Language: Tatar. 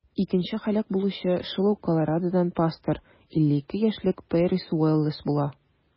Икенче һәлак булучы шул ук Колорадодан пастор - 52 яшьлек Пэрис Уоллэс була.